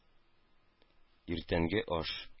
Иртәнге аш